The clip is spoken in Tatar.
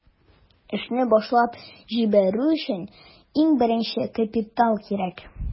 Эшне башлап җибәрү өчен иң беренче капитал кирәк.